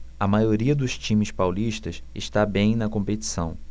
a maioria dos times paulistas está bem na competição